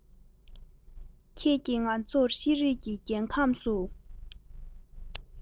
ཁྱེད ཀྱིས ང ཚོར ཤེས རིག གི རྒྱལ ཁམས སུ